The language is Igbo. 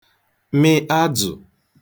mị adzụ̀